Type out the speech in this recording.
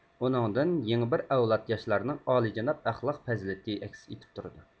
ئۇنىڭدىن يېڭى بىر ئەۋلاد ياشلارنىڭ ئالىيجاناب ئەخلاق پەزىلىتى ئەكس ئېتىپ تۇرىدۇ